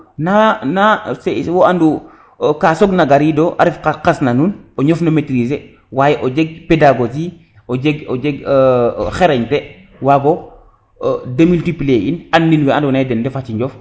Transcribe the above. na wo andu ka soog na garido a ref qas na nuun o ñof no maitriser waye o jeg pépagogique o jeg o jeg xareñ te wago demultiplier and nin we nado naye den ndefa ciinjof